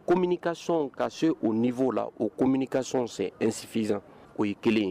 Kominikason ka se u ni'w la o ko minikasɔn fɛ sinfisisan o ye kelen